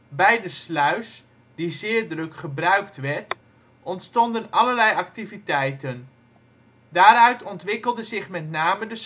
Bij de sluis die zeer druk gebruikt werd ontstond allerlei activiteiten. Daaruit ontwikkelde zich met name de